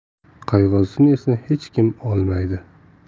qayg'usini esa hech kim olmaydi